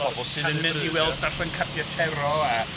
Pobl sydd yn mynd i weld... darllen cardiau tarot a...